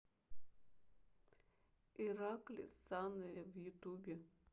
иракли саная в ютюбе